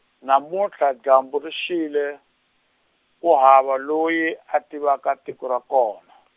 namuntlha dyambu ri xile, ku hava loyi a tivaka tiko ra kona.